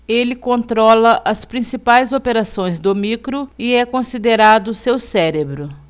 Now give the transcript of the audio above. ele controla as principais operações do micro e é considerado seu cérebro